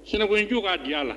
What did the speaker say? Sinankunju ka dira la.